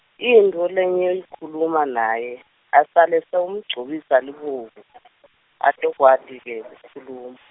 intfo lengitayikhuluma naye asale sewumugcobisa libovu atekwati ke kukhuluma.